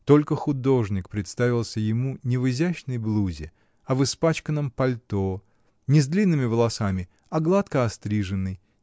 Только художник представился ему не в изящной блузе, а в испачканном пальто, не с длинными волосами, а гладко остриженный